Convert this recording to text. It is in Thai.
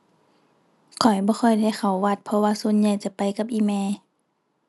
ข้อยบ่ค่อยได้เข้าวัด เพราะว่าส่วนใหญ่จะไปกับอีแม่